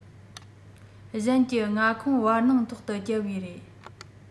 གཞན གྱི མངའ ཁོངས བར སྣང ཐོག ཏུ བསྐྱལ བའི རེད